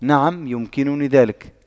نعم يمكنني ذلك